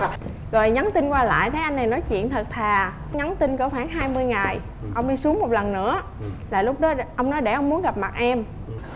rồi nhắn tin qua lại thấy anh này nói chuyện thật thà nhắn tin có khoảng hai mươi ngày ông đi xuống một lần nữa là lúc đó ông nói để ông muốn gặp mặt em